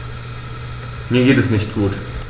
Mir geht es nicht gut.